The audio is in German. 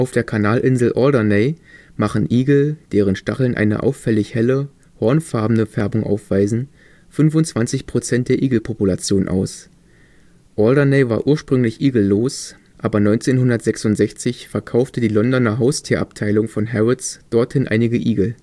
der Kanalinsel Alderney machen Igel, deren Stacheln eine auffällig helle, hornfarbene Färbung aufweisen, 25 Prozent der Igel-Population aus: Alderney war ursprünglich igellos, aber 1966 verkaufte die Londoner Haustierabteilung von Harrods dorthin einige Igel